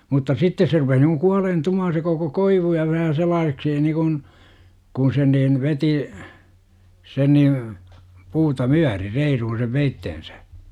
mutta sitten se rupesi niin kuin kuoleentumaan se koko koivu ja vähän sellaiseksi niin kuin kun sen niin veti sen niin puuta myöten reiluun sen veitsensä